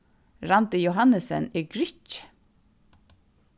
randi johannessen er grikki